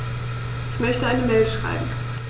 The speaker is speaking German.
Ich möchte eine Mail schreiben.